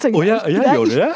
å ja ja gjør du det?